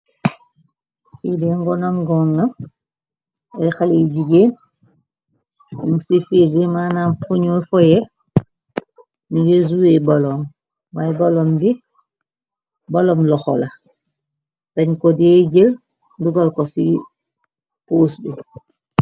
Fii deey ngonangon la, ay xale yu jigeen ñun ci fiil bi, manam fuñuy foyee, ñungi suyee baloom way baloom bi balam loxo la deej ko deey jël dugal ko ci pous bi.